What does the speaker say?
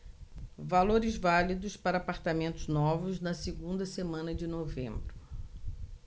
valores válidos para apartamentos novos na segunda semana de novembro